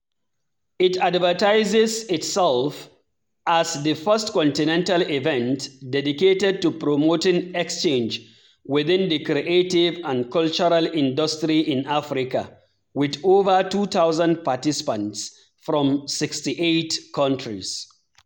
It advertises itself as the "first continental event dedicated to promoting exchange within the creative and cultural industry in Africa", with over 2,000 participants from 68 countries.